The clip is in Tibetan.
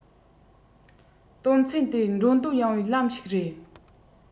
དོན ཚན དེ འགྲོ འདོད ཡངས པའི ལམ ཞིག རེད